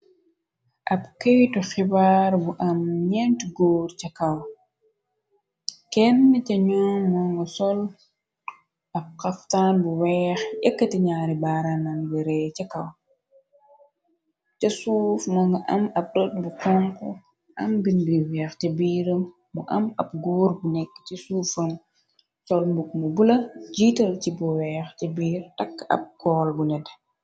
Ab keytu xibaar bu am nenti góor ca kaw kenn ca ñoo moo nga sol ab xaftaan bu weex ekkati ñaari baarannan bi reey ca kaw ca suuf ma nga am ab lot bu konx am binbi weex ci biir mu am ab góor bu nekk ci suufaon solmbuk mu bula jiital ci bu weex ci biir takk ab kool bu net.